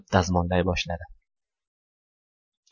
dazmollay boshladi